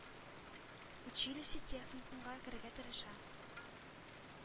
Училище-техникумга керергә тырыша.